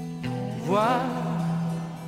Baba